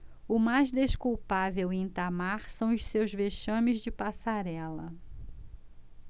o mais desculpável em itamar são os seus vexames de passarela